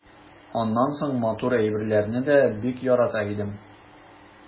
Аннан соң матур әйберләрне дә бик ярата идем.